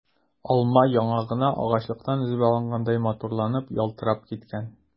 Алма яңа гына агачыннан өзеп алгандай матурланып, ялтырап киткән.